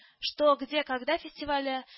– “что? где? когда?” фестивале